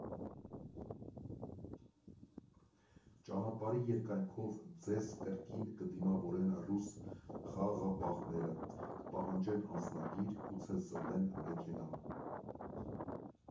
Ճանապարհի երկայնքով ձեզ կրկին կդիմավորեն ռուս խաղաղապահները, կպահանջեն անձնագիր, գուցե զննեն մեքենան։